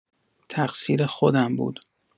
تقصیر خودم بود.